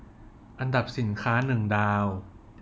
อันดับสินค้าหนึ่งดาว